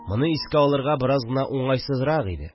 Моны искә алырга бераз гына уңайсызрак иде